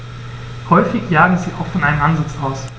Häufig jagen sie auch von einem Ansitz aus.